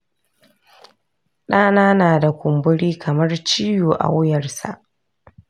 ɗana na da kumburi kamar ciwo a wuyarsa.